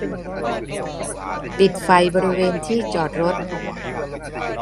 ปิดไฟบริเวณที่จอดรถ